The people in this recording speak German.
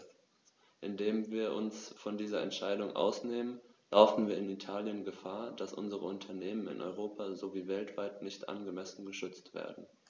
Indem wir uns von dieser Entscheidung ausnehmen, laufen wir in Italien Gefahr, dass unsere Unternehmen in Europa sowie weltweit nicht angemessen geschützt werden.